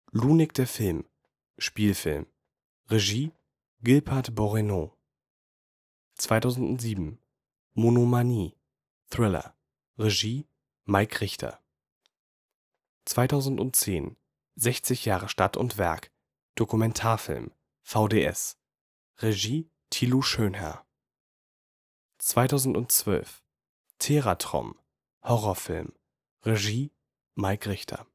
Lunik – Der Film (Spielfilm, Regie: Gilbert Beronneau) 2007: Monomanie (Thriller, Regie: Maik Richter) 2010: 60 Jahre Stadt und Werk (Dokumentarfilm, vds, Regie: Tilo Schönherr) 2012: Teratrom (Horrorfilm, Regie: Maik Richter